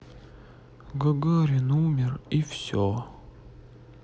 гагарин умер и все